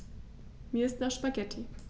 Mir ist nach Spaghetti.